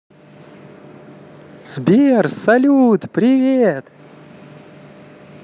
сбер салют привет